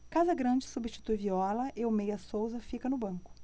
casagrande substitui viola e o meia souza fica no banco